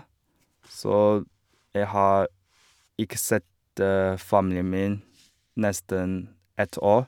Så jeg har ikke sett familien min nesten ett år.